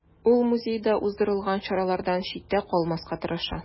Ул музейда уздырылган чаралардан читтә калмаска тырыша.